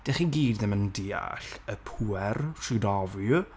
dach chi gyd ddim yn deall, y pŵer, sy 'da fi.